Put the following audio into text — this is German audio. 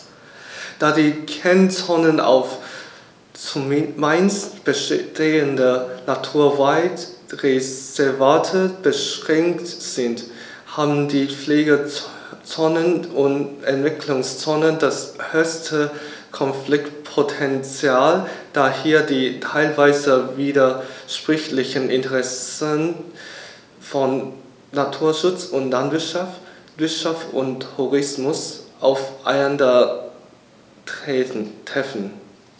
Da die Kernzonen auf – zumeist bestehende – Naturwaldreservate beschränkt sind, haben die Pflegezonen und Entwicklungszonen das höchste Konfliktpotential, da hier die teilweise widersprüchlichen Interessen von Naturschutz und Landwirtschaft, Wirtschaft und Tourismus aufeinandertreffen.